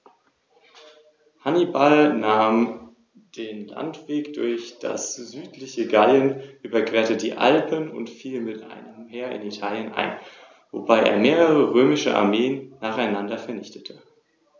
Nachdem Karthago, solcherart provoziert, die Römer von See aus angegriffen und geschlagen hatte, baute Rom seine Flotte aus, um der Seemacht Karthago erfolgreich entgegentreten zu können.